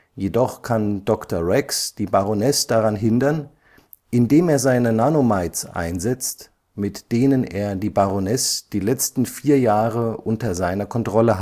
Jedoch kann Doktor Rex die Baroness daran hindern, indem er seine Nano-mites einsetzt, mit denen er die Baroness die letzten vier Jahre unter seiner Kontrolle